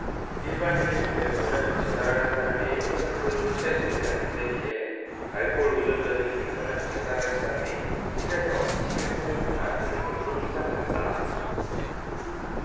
일반인들 중에서는 자살하는 사람이 일 퍼센트도 채 되지 않는 데 비해 알코올 의존자들 중에서는 자살하는 사람이 칠 에서 이십 일 퍼센트나 되는 것으로 추산된다